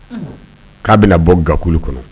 K'a bɛna bɔ gakulu kɔnɔ